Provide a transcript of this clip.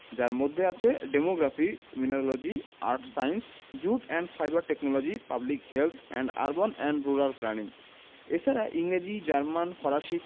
যার মধ্যে আছে demography mineralogy earth science jute and fibre technology public health এবং আরবান অ্যান্ড রুরাল প্ল্যানিং এছাড়া ইংরেজি জার্মান ফরাসি